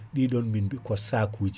ɗiɗon min bi ko sakuji